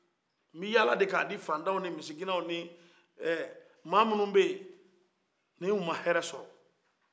n bɛ yala ka di fantanw ni misikina ani ma minnuw bɛ ye ni u mahɛrɛ sɔrɔ